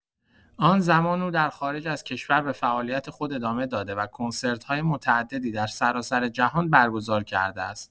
از آن‌زمان، او در خارج از کشور به فعالیت خود ادامه داده و کنسرت‌های متعددی در سراسر جهان برگزار کرده است.